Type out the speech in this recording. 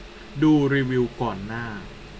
ดูรีวิวก่อนหน้า